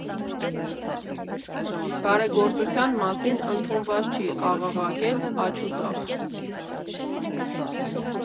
Բարեգործության մասին ընդունված չէ աղաղակել աջուձախ։